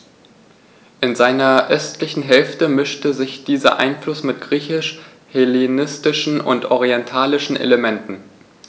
In seiner östlichen Hälfte mischte sich dieser Einfluss mit griechisch-hellenistischen und orientalischen Elementen.